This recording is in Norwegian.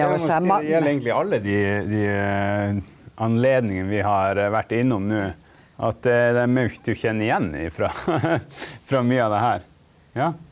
jeg må si det gjelder egentlig alle de de anledningene vi har vært innom nå at dem er jo ikke til å kjenne igjen ifra fra mye av det her ja.